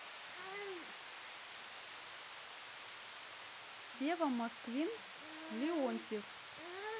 сева москвин леонтьев